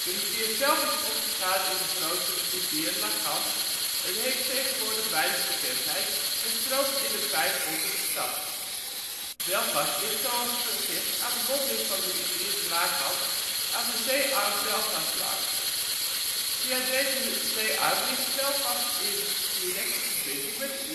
rivier zelf is opgegaan in de grotere rivier Lagan, heeft tegenwoordig weinig bekendheid, en stroomt in een pijp onder de stad. Belfast ligt, zoals gezegd, aan de monding van de rivier de Lagan aan de zeearm Belfast Lough. Via deze zeearm ligt Belfast in directe verbinding met